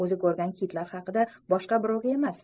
o'zi ko'rgan kitlar haqida boshqa birovga emas